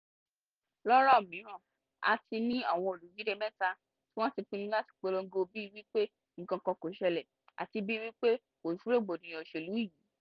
Lórọ̀ mìíràn, a ti ní àwọn olúdíje mẹ́ta tí wọ́n ti pinnu láti polongo bí wípé nǹkankan kò ṣẹlẹ̀ àti bíi wípé kò sí rògbòdìyàn òṣèlú yìí.